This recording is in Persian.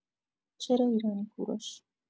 چرا ایرانی کوروش